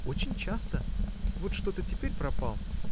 — Очень часто: вот что-то теперь пропал.